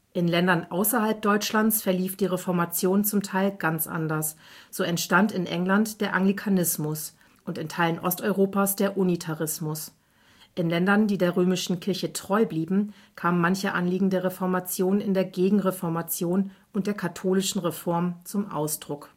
In Ländern außerhalb Deutschlands verlief die Reformation zum Teil ganz anders. So entstand in England der Anglikanismus und in Teilen Osteuropas der Unitarismus. In Ländern, die der römischen Kirche treu blieben, kamen manche Anliegen der Reformation in der Gegenreformation und der katholischen Reform zum Ausdruck